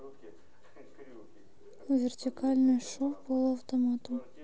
вертикальный шов полуавтоматом